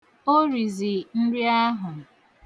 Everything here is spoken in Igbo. O rizi nri ahụ